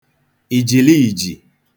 ìjìliìjì